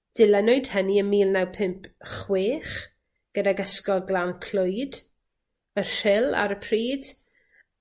Dilynwyd hynny ym mil naw pump chwech gydag Ysgol Glan Clwyd, Y Rhyl ar y pryd